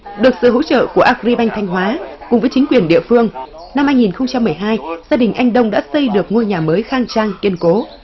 được sự hỗ trợ của a gờ ri banh thanh hóa cùng với chính quyền địa phương năm hai nghìn không trăm mười hai gia đình anh đông đã xây được ngôi nhà mới khang trang kiên cố